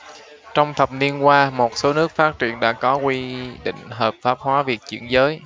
trong thập niên qua một số nước phát triển đã có quy định hợp pháp hóa việc chuyển giới